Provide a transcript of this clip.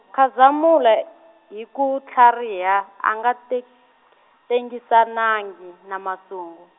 Khazamula, hi ku tlhariha, a nga tek-, tengisanangi, na Masungi.